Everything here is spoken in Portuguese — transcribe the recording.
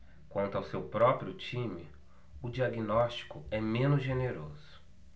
quanto ao seu próprio time o diagnóstico é menos generoso